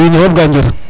To wiin we fop ga njir,